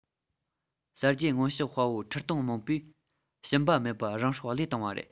གསར བརྗེའི སྔོན གཤེགས དཔའ བོ ཁྲི སྟོང མང པོས ཞུམ པ མེད པར རང སྲོག བློས བཏང བ རེད